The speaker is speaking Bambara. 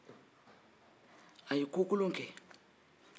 a ye ko kolon kɛ